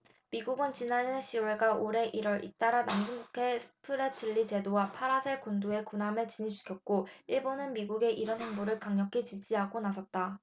미국은 지난해 시 월과 올해 일 월 잇달아 남중국해 스프래틀리 제도와 파라셀 군도에 군함을 진입시켰고 일본은 미국의 이런 행보를 강력히 지지하고 나섰다